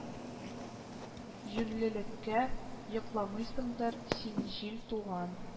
Юньлелеккә йокламыйсыңдыр син җил туган